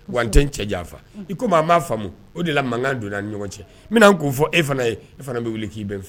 Wa n tɛ n cɛ janfa . I komi a ma faamu o de la mankan donna an ni ɲɔgɔn cɛ. N bi na n kun fɔ e fana e fana bi wuli ki bɛ n fu